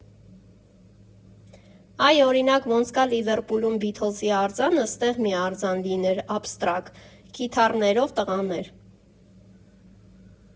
Այ, օրինակ, ոնց կա Լիվերպուլում Բիթլզի արձանը, ստեղ մի արձան լիներ, աբստրակտ՝ կիթառներով տղաներ։